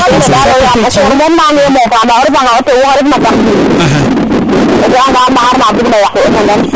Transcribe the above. kene dal yam o koor moom nange mofa nda o refa nga o tew wo fe ref na kam mbin ko ga anga ndaxar na bug na yaqu o xendan